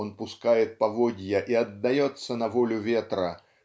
он пускает поводья и отдается на волю ветра